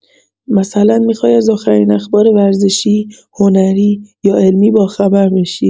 مثلا می‌خوای از آخرین اخبار ورزشی، هنری، یا علمی باخبر بشی؟